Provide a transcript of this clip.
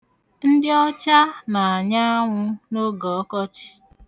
Ndị ọcha na-anya anwụ n'oge ọkọchị.